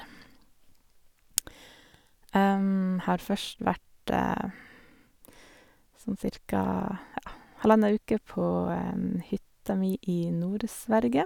Har først vært sånn cirka, ja, halvanna uke på hytta mi i Nord-Sverige.